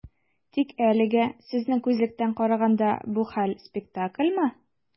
Тик әлегә, сезнең күзлектән караганда, бу хәл - спектакльмы?